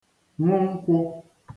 ṅụ nkwụ